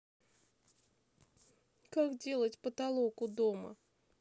как делать потолок у дома